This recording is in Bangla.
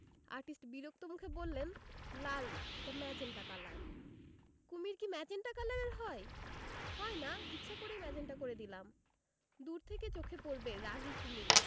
আর্টিস্ট বিরক্ত মুখে বললেন লাল না এটা মেজেন্টা কালার কুমীর কি মেজেন্টা কালারের হয় হয় না ইচ্ছা করেই মেজেন্টা করে দিলাম দূর থেকে চোখে পড়বে রাগী কুমীর'